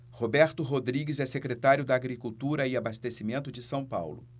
roberto rodrigues é secretário da agricultura e abastecimento de são paulo